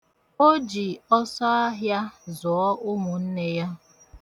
O ji ọsọahịa zụọ ụmụnne ya.